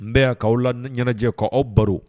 N bɛ'aw la n ɲɛnajɛ kɔ aw baro